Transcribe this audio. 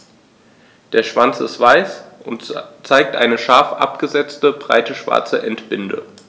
Der Schwanz ist weiß und zeigt eine scharf abgesetzte, breite schwarze Endbinde.